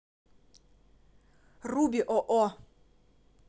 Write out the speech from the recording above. руби оо